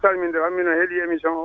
salminde tan miɗo heeɗi émission o